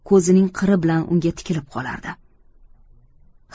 doniyor ko'zining qiri bilan unga tikilib qolardi